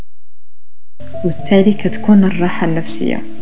مشتركه تكون الراحه النفسيه